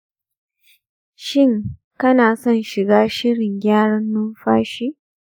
shin kana son shiga shirin gyaran numfashi?